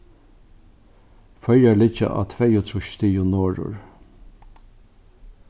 føroyar liggja á tveyogtrýss stigum norður